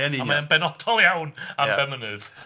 Yn union... A mae o'n benodol iawn am Benmynydd.